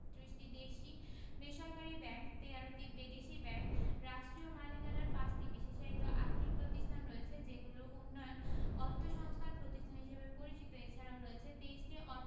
৩১টি দেশী বেসরকারি ব্যাংক ১৩টি বিদেশী ব্যাংক রাষ্ট্রীয় মালিকানার ৫টি বিশেষায়িত আর্থিক প্রতিষ্ঠান রয়েছে যেগুলো উন্নয়ন অর্থসংস্থান প্রতিষ্ঠান হিসেবে পরিচিত এছাড়াও রয়েছে ২৩টি অরপ